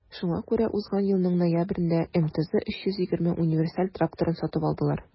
Шуңа күрә узган елның ноябрендә МТЗ 320 универсаль тракторын сатып алдылар.